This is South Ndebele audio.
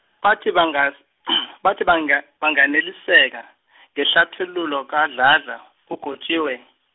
bathi bangasi- , bathi banga- banganeliseka , ngehlathululo kaDladla, uGotjiwe.